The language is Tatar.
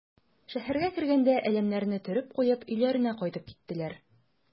Шәһәргә кергәндә әләмнәрне төреп куеп өйләренә кайтып киттеләр.